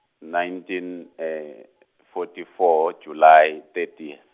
nineteen forty four July thirtieth.